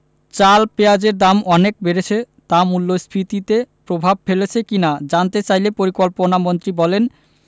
চাল পেঁয়াজের দাম অনেক বেড়েছে তা মূল্যস্ফীতিতে প্রভাব ফেলছে কি না জানতে চাইলে পরিকল্পনামন্ত্রী বলেন